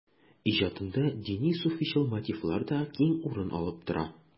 Иҗатында дини-суфыйчыл мотивлар да киң урын алып тора.